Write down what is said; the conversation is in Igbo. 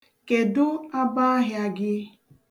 Kedụ abọ ahịa gị?.